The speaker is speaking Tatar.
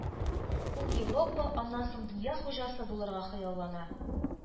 Ул европа, аннан соң дөнья хуҗасы булырга хыяллана.